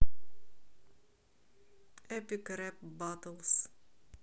эпик рэп батлс